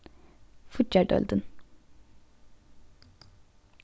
fíggjardeildin